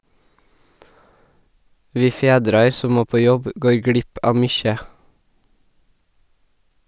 Vi fedrar som må på jobb går glipp av mykje.